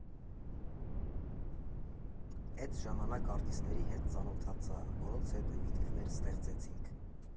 Էդ ժամանակ արտիստների հետ ծանոթացա, որոնց հետ վինիլներ ստեղծեցինք։